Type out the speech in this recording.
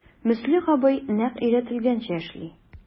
Мөслих абый нәкъ өйрәтелгәнчә эшли...